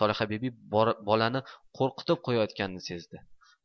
solihabibi bolani qo'rqitib qo'yayotganini sezdi